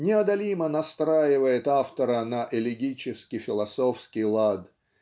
неодолимо настраивает автора на элегически-философский лад